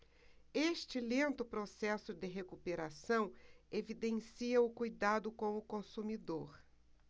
este lento processo de recuperação evidencia o cuidado com o consumidor